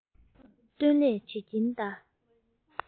སྟོན ལས བྱེད ཀྱིན གདའ